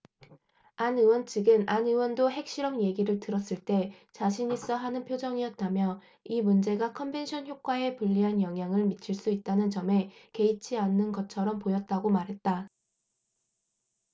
안 의원 측은 안 의원도 핵실험 얘기를 들었을 때 자신있어 하는 표정이었다며 이 문제가 컨벤션효과에 불리한 영향을 미칠 수 있다는 점에 개의치 않는 것처럼 보였다고 말했다